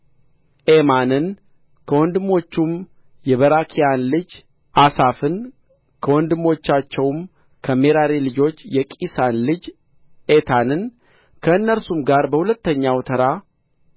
ኤማንን ከወንድሞቹም የበራክያን ልጅ አሳፍን ከወንድሞቻቸውም ከሜራሪ ልጆች የቂሳን ልጅ ኤታንን ከእነርሱም ጋር በሁለተኛው ተራ